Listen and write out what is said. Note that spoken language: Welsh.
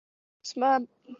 'cos ma'